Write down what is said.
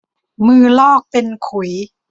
มือลอกเป็นขุย